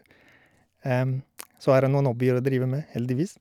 Så har jeg noen hobbyer å drive med, heldigvis.